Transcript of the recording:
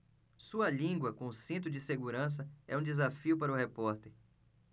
sua língua com cinto de segurança é um desafio para o repórter